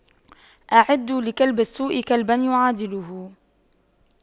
أعدّوا لكلب السوء كلبا يعادله